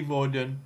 worden.